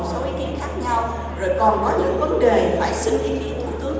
những vấn đề nảy sinh ý